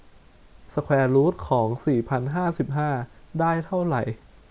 สแควร์รูทของสี่พันห้าสิบห้าได้เท่าไหร่